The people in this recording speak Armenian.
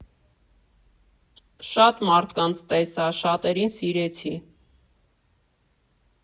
Շատ մարդկանց տեսա, շատերին սիրեցի։